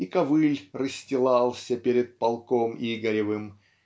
и ковыль расстилался перед полком Игоревым